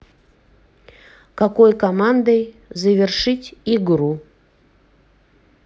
какой командой завершить игру